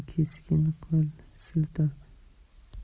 keskin qo'l siltab